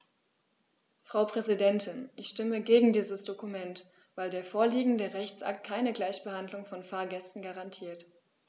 Frau Präsidentin, ich stimme gegen dieses Dokument, weil der vorliegende Rechtsakt keine Gleichbehandlung von Fahrgästen garantiert.